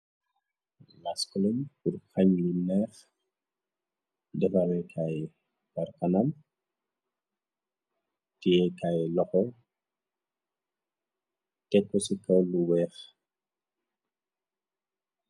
Maskoloñ bur xañ yu neex defarekaay bar anam tiyeekaay loxo tekko ci ka lu weex.